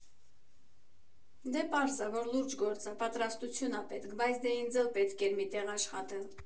Դե պարզ ա, որ լուրջ գործ ա, պատրաստություն ա պետք, բայց դե ինձ էլ պետք էր մի տեղ աշխատել։